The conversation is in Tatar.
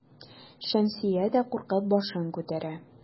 Шәмсия дә куркып башын күтәрә.